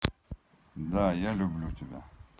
да я люблю тебя